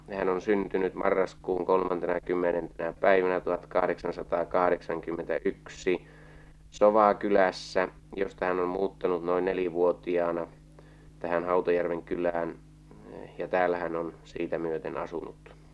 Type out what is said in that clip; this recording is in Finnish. hän on syntynyt marraskuun kolmantenakymmenentenä päivänä tuhatkahdeksansataakahdeksankymmentäyksi Sodankylässä josta hän on muuttanut noin nelivuotiaana tähän Hautajärven kylään ja täällä hän on siitä myöten asunut